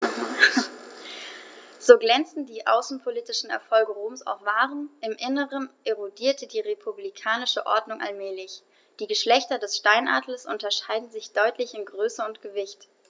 So glänzend die außenpolitischen Erfolge Roms auch waren: Im Inneren erodierte die republikanische Ordnung allmählich. Die Geschlechter des Steinadlers unterscheiden sich deutlich in Größe und Gewicht.